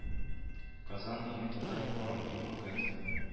Казан июнь татар-информ римма гатина